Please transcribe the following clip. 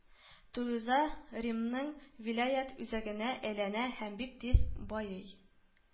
Тулуза Римның вилаять үзәгенә әйләнә һәм бик тиз байый